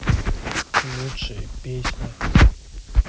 лучшие песни